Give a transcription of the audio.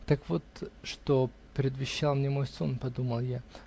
"Так вот что предвещал мне мой сон! -- подумал я.